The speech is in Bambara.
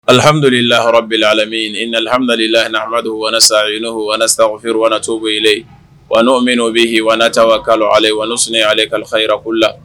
Alihamduli lahaɔrɔb alami nahamidulililayiha amadudu n'o wsa feere wanacogo bɛy wa n'o min'o bɛ yen wta waka ale wa n' sun y'ale kalifarakulu la